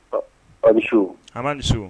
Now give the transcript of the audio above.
A ni su! An ba ni su!